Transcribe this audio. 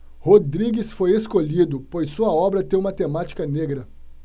rodrigues foi escolhido pois sua obra tem uma temática negra